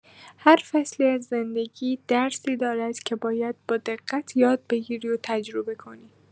هر فصلی از زندگی درسی دارد که باید با دقت یاد بگیری و تجربه کنی.